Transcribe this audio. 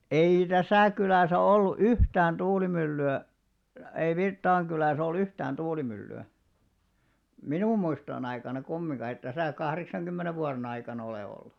ei tässä kylässä ollut yhtään tuulimyllyä ei Virttaan kylässä ole yhtään tuulimyllyä minun muistojeni aikana kumminkaan ei tässä kahdeksankymmenen vuoden aikana ole ollut